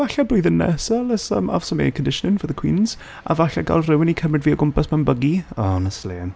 Falle blwyddyn nesa let's um 'ave some air conditioning for the Queens, a falle gael rywun cymryd fi o gwmpas mewn buggy, honestly.